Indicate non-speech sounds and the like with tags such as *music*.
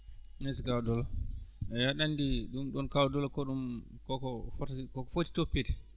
merci kaw Doulo eey aɗa anndi ɗum kaw Doulo ko ɗum ko ko *hesitation* foti toppite